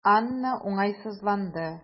Анна уңайсызланды.